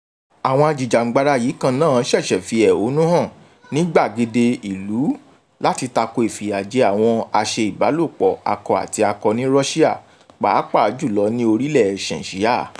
Àwọn ajìjàǹgbara yìí kan náà ṣẹ̀ṣẹ̀ fi ẹ̀hónú hàn ní gbàgede ìlú láti tako ìfìyàjẹ àwọn aṣe-ìbálòpọ̀-akọ-àti-akọ ní Russia, pàápàá jùlọ ní orílẹ̀ Chechnya.